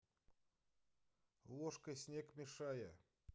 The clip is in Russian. ложкой снег мешая